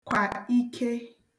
kwà ike